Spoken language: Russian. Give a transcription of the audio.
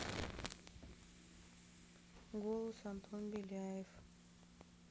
голос антон беляев